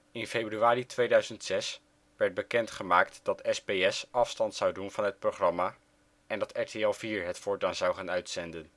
In februari 2006 werd bekend gemaakt dat SBS afstand zou doen van het programma, en dat RTL 4 het voortaan zou gaan uitzenden